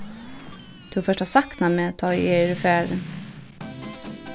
tú fert at sakna meg tá ið eg eri farin